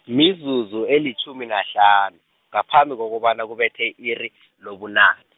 mizuzu elitjhumi nahlanu, ngaphambi kokobana kubethe i-iri, lobunane.